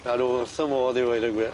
Ydw wrth fy modd i weud y gwir.